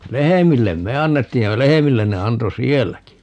lehmille me annettiin ja lehmille ne antoi sielläkin